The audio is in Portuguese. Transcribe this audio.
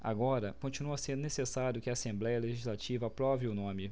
agora continua sendo necessário que a assembléia legislativa aprove o nome